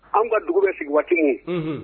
An ka dugu bɛ sigi waati min